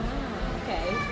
Ah, oce.